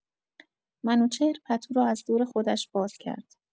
منوچهر پتو را از دور خودش باز کرد.